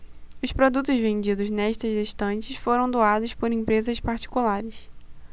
os produtos vendidos nestas estantes foram doados por empresas particulares